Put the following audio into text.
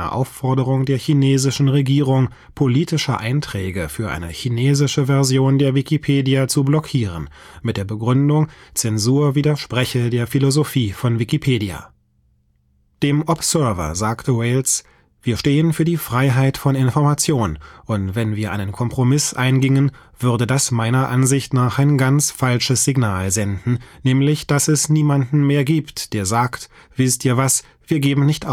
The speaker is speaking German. Aufforderung der chinesischen Regierung, politische Einträge für eine chinesische Version der Wikipedia zu blockieren, mit der Begründung, Zensur widerspreche der Philosophie von Wikipedia. Dem Observer sagte Wales: „ Wir stehen für die Freiheit von Information, und wenn wir einen Kompromiss eingingen, würde das meiner Ansicht nach ein ganz falsches Signal senden, nämlich dass es niemanden mehr [...] gibt, der sagt: ‚ Wisst ihr was? Wir geben nicht auf